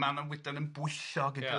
Manawydan yn bwyllog,